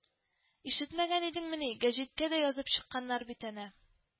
Ишетмәгән идеңмени, гәҗиткә дә язып чыкканнар бит әнә